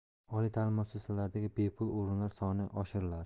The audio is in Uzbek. oliy ta'lim muassasalaridagi bepul o'rinlar soni oshiriladi